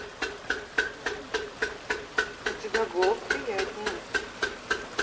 у тебя голос приятнее